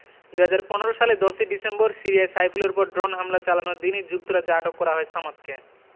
২০১৫ সালের ১০ ই ডিসেম্বর সিরিয়ায় সাইফুলের ওপর ড্রোন হামলা চালানোর দিনই যুক্তরাজ্যে আটক করা হয় সামাদকে